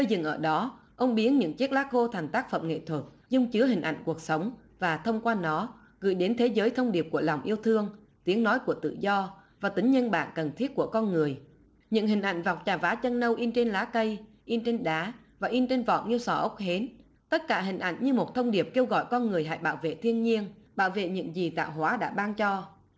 chưa dừng ở đó ông biến những chiếc lá khô thành tác phẩm nghệ thuật dung chứa hình ảnh cuộc sống và thông qua nó gửi đến thế giới thông điệp của lòng yêu thương tiếng nói của tự do và tính nhân bản cần thiết của con người những hình ảnh vọc chà vá chân nâu in trên lá cây in trên đá và in trên vỏ nghêu sò ốc hến tất cả hình ảnh như một thông điệp kêu gọi con người hãy bảo vệ thiên nhiên bảo vệ những gì tạo hóa đã ban cho